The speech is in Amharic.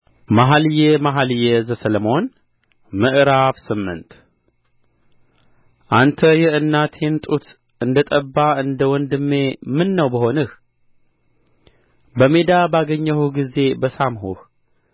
መኃልየ መኃልይ ዘሰሎሞን ምዕራፍ ስምንት አንተ የእናቴን ጡት እንደ ጠባ እንደ ወንድሜ ምነው በሆንህ በሜዳ ባገኘሁህ ጊዜ በሳምሁህ